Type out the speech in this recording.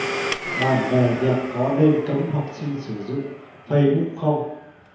bàn về việc có nên cấm học sinh sử dụng facebook không